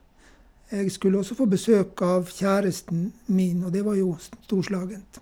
Jeg skulle også få besøk av kjæresten min, og det var jo s storslagent.